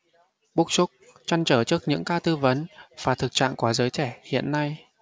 bức xúc trăn trở trước những ca tư vấn và thực trạng của giới trẻ hiện nay